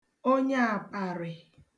onyeàpàrị̀